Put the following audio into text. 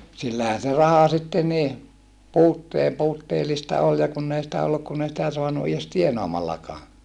sillähän se raha sitten niin - puutteellista oli ja kun ei sitä ollut kun ei sitä saanut edes tienaamallakaan